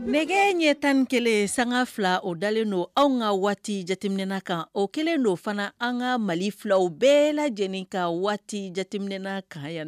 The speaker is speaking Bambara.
Nɛgɛge in ɲɛ tan ni kelen san fila o dalen don anw ka waati jateminɛen kan o kɛlen don fana an ka mali filaw bɛɛ la lajɛleneni ka waati jateminminɛenina kanyana